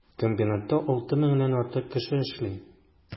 Комбинатта 6 меңнән артык кеше эшли.